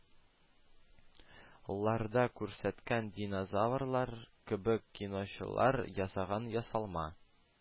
Ларда күрсәткән динозаврлар кебек, киночылар ясаган ясалма,